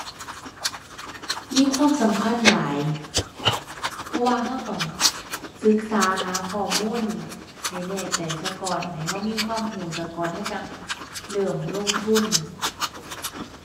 มีความสำคัญหลาย เพราะว่าเราต้องศึกษาหาข้อมูลให้แน่ใจซะก่อน ให้เรามีความเราซะก่อน เราจั่งเริ่มลงทุน